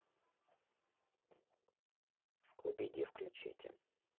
скуби ди включите